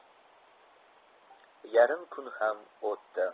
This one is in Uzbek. yarim kun ham o'tdi